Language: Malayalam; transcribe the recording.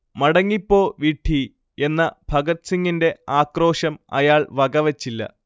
'മടങ്ങിപ്പോ വിഡ്ഢീ' എന്ന ഭഗത്സിങ്ങിന്റെ ആക്രോശം അയാൾ വകവെച്ചില്ല